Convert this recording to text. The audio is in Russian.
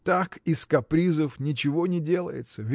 так, из капризов, ничего не делается